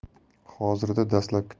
hozirda dastlabki tergov